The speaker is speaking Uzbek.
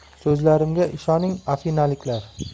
so'zlarimga ishoning afinaliklar